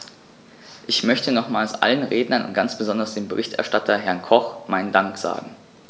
Ich möchte nochmals allen Rednern und ganz besonders dem Berichterstatter, Herrn Koch, meinen Dank sagen.